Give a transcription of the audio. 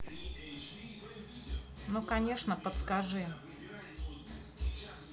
ну конечно подскажи